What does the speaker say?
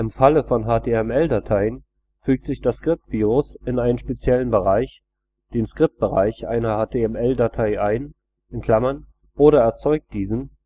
Falle von HTML-Dateien fügt sich das Skriptvirus in einen speziellen Bereich, den Skriptbereich, einer HTML-Datei ein (oder erzeugt diesen